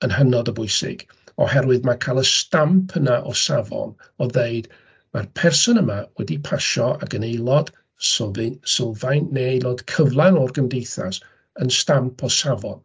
Yn hynod o bwysig oherwydd, mae cael y stamp yna o safon o ddeud, "ma'r person yma wedi pasio ac yn aelod sylfeyn- sylfaen neu aelod cyflawn o'r Gymdeithas" yn stamp o safon.